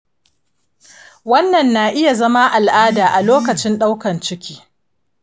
wannan na iya zama al’ada a lokacin daukar ciki.